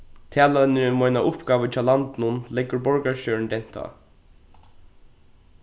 talan er um eina uppgávu hjá landinum leggur borgarstjórin dent á